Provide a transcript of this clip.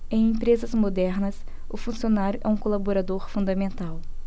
em empresas modernas o funcionário é um colaborador fundamental